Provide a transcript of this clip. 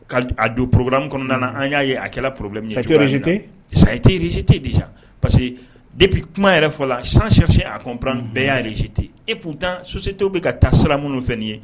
Ka a don porobbala kɔnɔna na an y'a ye a kɛra porobimi sazte sayitee reztee disa parce que de bɛ kuma yɛrɛ fɔ la san sirasi ap bɛɛ y'arezte eputan sosi tɛ bɛ ka taa sira minnu fɛn nin ye